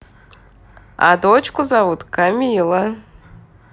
а дочку зовут камилла